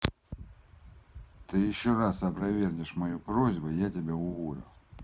ты еще раз опровергнешь мою просьбу я тебя уволю